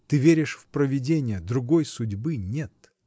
Ты веришь в провидение, другой судьбы нет.